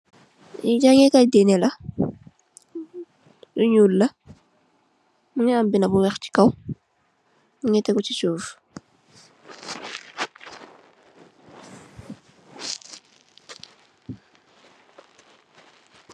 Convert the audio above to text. Li jangeh kai dineh la lu nyuul la Mungi am binda bu weih sey kaw Mungi tegu sey suuf.